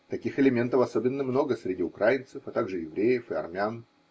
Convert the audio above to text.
Таких элементов особенно много среди украинцев, а также евреев и армян.